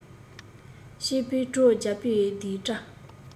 སྐྱིད པོའི བྲོ རྒྱག པའི རྡིག སྒྲ